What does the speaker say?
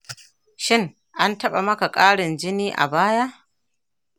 shin an taɓa maka ƙarin jini a baya?